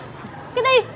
cái gì